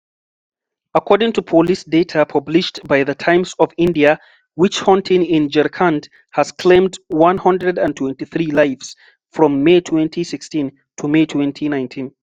According to police data published by The Times of India, witch-hunting in Jharkhand has claimed 123 lives from May 2016 to May 2019.